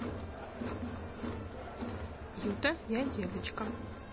юта я девочка